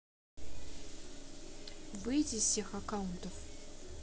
выйди из всех аккаунтов